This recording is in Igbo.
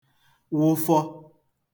wụfọ